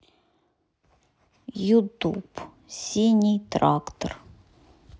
ютуб синий трактор